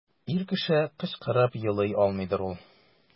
Ир кеше кычкырып елый алмыйдыр ул.